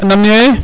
nam ne e